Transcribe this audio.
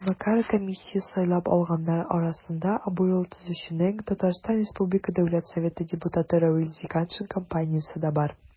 Тармакара комиссия сайлап алганнар арасында абруйлы төзүченең, ТР Дәүләт Советы депутаты Равил Зиганшин компаниясе дә бар.